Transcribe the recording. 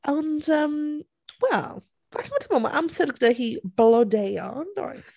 Ond yym wel falle ma' timod ma' amser gyda hi blodeuo yn does?